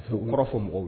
U ukɔrɔ fɔ mɔgɔw